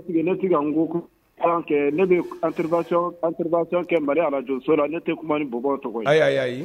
Puisque ne tɛ ka nko, kalan kɛ ne bɛ intervention kɛ Mali arajosow la ne tɛ kuma ni bɔbɔw tɔgɔ ye, ayi